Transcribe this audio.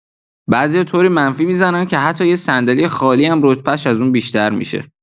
بعضیا طوری منفی می‌زنن که حتی یه صندلی خالی هم رتبش از اون بیشتر می‌شه!